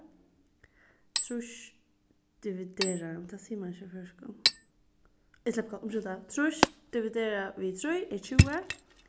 trýss dividerað tað sigur man ikki á føroyskum eg sleppi umskylda trýss dividerað við trý er tjúgu